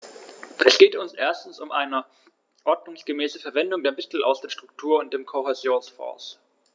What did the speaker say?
Es geht uns erstens um eine ordnungsgemäße Verwendung der Mittel aus den Struktur- und dem Kohäsionsfonds.